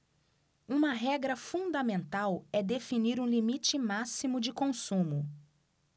uma regra fundamental é definir um limite máximo de consumo